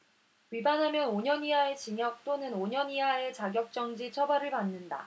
위반하면 오 년 이하의 징역 또는 오 년 이하의 자격정지 처벌을 받는다